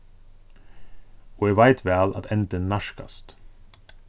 og eg veit væl at endin nærkast